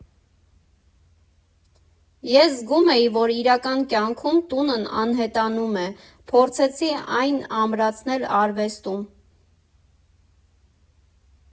Ես զգում էի, որ իրական կյանքում տունն անհետանում է, փորձեցի այն ամրացնել արվեստում։